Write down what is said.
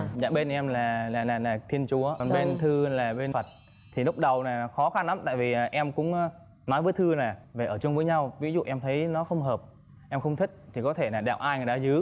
dạ bên em là là là là thiên chúa còn bên thư là bên phật thì lúc đầu là khó khăn lắm tại vì là em cũng nói với thư là về ở chung với nhau ví dụ e thấy nó không hợp em không thích thì có thể đạo ai người đó giữ